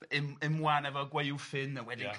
Ym- ymwan efo gwaywffyn a wedyn... Ia...